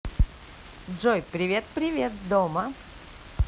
джой привет привет дома